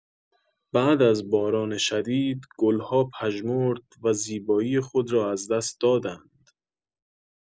بعد از باران شدید، گل‌ها پژمرد و زیبایی خود را از دست دادند.